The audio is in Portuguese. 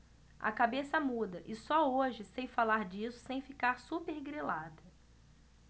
a cabeça muda e só hoje sei falar disso sem ficar supergrilada